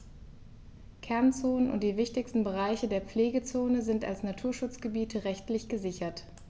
Kernzonen und die wichtigsten Bereiche der Pflegezone sind als Naturschutzgebiete rechtlich gesichert.